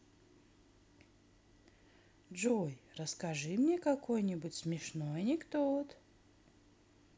джой расскажи мне какой нибудь смешной анекдот